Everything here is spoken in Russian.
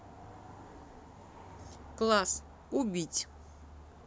класс убить